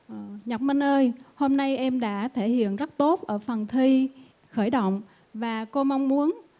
nhật minh ơi hôm nay em đã thể hiện rất tốt ở phần thi khởi động và cô mong muốn